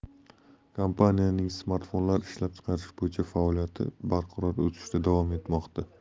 kompaniyaning smartfonlar ishlab chiqarish bo'yicha faoliyati barqaror o'sishda davom etmoqda